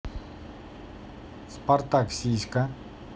спартак сиська